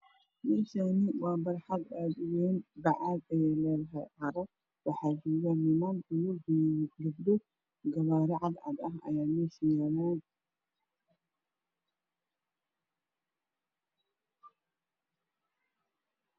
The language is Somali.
Meeshaan waa barxad aad u Wayn oo bacaad ah waxaa joogo niman iyo gabdho. Gaariyo cadcad ah ayaa meesha yaalo.